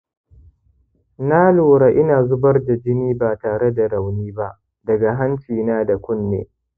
na lura ina zubar da jini ba tare da rauni ba daga hanci na da kunne.